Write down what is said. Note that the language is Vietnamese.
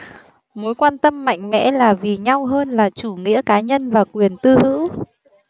mối quan tâm mạnh mẽ là vì nhau hơn là chủ nghĩa cá nhân và quyền tư hữu